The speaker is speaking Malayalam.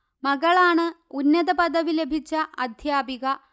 മകളാണ് ഉന്നത പദവി ലഭിച്ച അധ്യാപിക